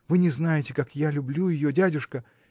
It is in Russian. Вы не знаете, как я люблю ее, дядюшка!